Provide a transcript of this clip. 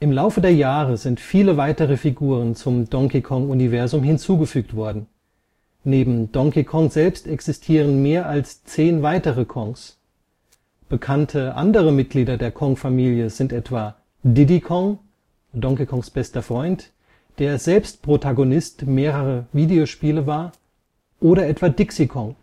Laufe der Jahre sind viele weitere Figuren zum Donkey-Kong-Universum hinzugefügt worden, neben Donkey Kong selbst existieren mehr als 10 weitere „ Kongs “. Bekannte andere Mitglieder der Kong-Familie sind etwa Diddy Kong, Donkey Kongs bester Freund, der selbst Protagonist mehrerer Videospiele war, oder etwa Dixie Kong